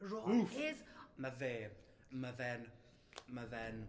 Ron... Wff. ...is... Mae fe, mae fe'n, mae fe'n...